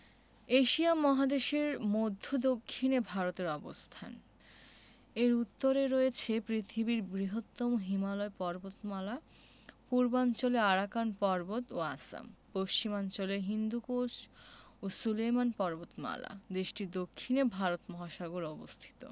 Asia মহাদেশের মদ্ধ্য দক্ষিনে ভারতের অবস্থানএর উত্তরে রয়েছে পৃথিবীর বৃহত্তম হিমালয় পর্বতমালা পূর্বাঞ্চলে আরাকান পর্বত ও আসামপশ্চিমাঞ্চলে হিন্দুকুশ ও সুলেমান পর্বতমালাদেশটির দক্ষিণে ভারত মহাসাগর অবস্থিত